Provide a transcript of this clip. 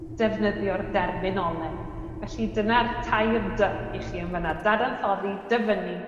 defnyddio'r derminoleg. Felly dyna'r tair dy i chi yn fan 'na. Dadansoddi, dyfynnu,